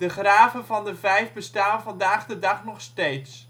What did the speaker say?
graven van de vijf bestaan vandaag de dag nog steeds